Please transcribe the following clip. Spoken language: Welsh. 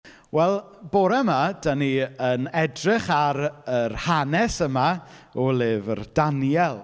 Wel, bore 'ma, dan ni yn edrych ar yr hanes yma, o lyfr Daniel.